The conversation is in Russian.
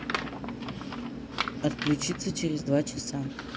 отключиться через два часа